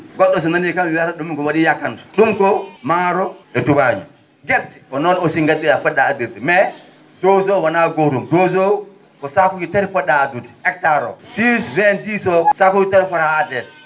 go??o so nanii kam wiyata ?um komi wa?i yakamti ?um ko maaro e tubaañoo gerte ko noon aussi po??a addirde mais dose o wonaa gootum dose o ko saakuuji tati po??a addude hectare o 6 20 10 o saakuuji tati fota addeede